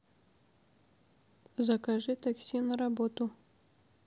закажи такси на работу